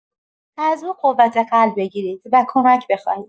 از او قوت قلب بگیرید و کمک بخواهید.